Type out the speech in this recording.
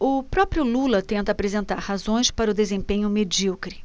o próprio lula tenta apresentar razões para o desempenho medíocre